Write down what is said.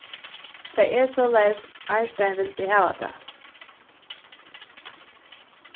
tað er soleiðis arnstein vildi hava tað